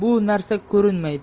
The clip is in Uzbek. da bu narsa ko'rinmaydi